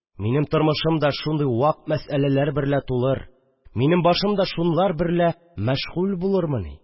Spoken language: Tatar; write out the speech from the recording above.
Минем томышым да шундый вак мәсьәләләр берлә тулыр, минем башым да шулар берлә мәшгуль булырмыни